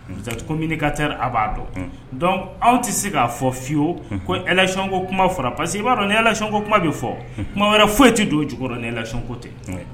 Vous êtes communicateurs a' b'a dɔn unhun donc anw ti se k'a fɔ fiyewu unhun ko élection ko kuma fɔra parce que i b'a dɔn ni élection ko kuma be fɔ unhun kuma wɛrɛ foyi te don o jukɔrɔ ni élection ko tɛ oui